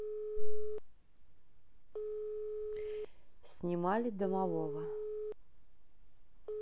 снимали домового